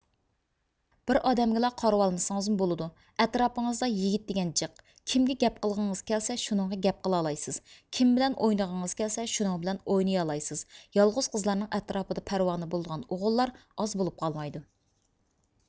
بىر ئادەمگىلا قارىۋالمىسڭزمۇ بولىدۇ ئەتراپىڭىزدا يىگىت دىگەن جىق كىمگە گەپقىلغىڭىز كەلسە شۇنىڭغا گەپ قىلالايىىسز كىم بىلەن ئوينىغىڭىز كەلسە شۇنىڭ بىلەن ئوينىيالايىسز يالغۇز قىزلارنىڭ ئەتراپىدا پەرۋانە بولىدىغان ئوغۇللار ئاز بولۇپ قالمايدۇ